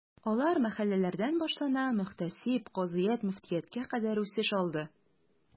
Алар мәхәлләләрдән башлана, мөхтәсиб, казыят, мөфтияткә кадәр үсеш алды.